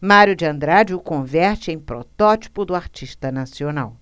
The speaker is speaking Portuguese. mário de andrade o converte em protótipo do artista nacional